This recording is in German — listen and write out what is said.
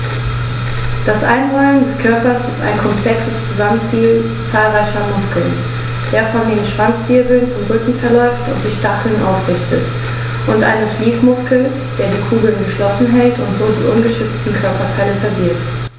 Das Einrollen des Körpers ist ein komplexes Zusammenspiel zahlreicher Muskeln, der von den Schwanzwirbeln zum Rücken verläuft und die Stacheln aufrichtet, und eines Schließmuskels, der die Kugel geschlossen hält und so die ungeschützten Körperteile verbirgt.